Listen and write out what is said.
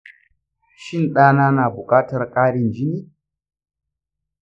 shin ɗa na na buƙatar ƙarin jini?